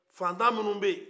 fantan minnu bɛ yen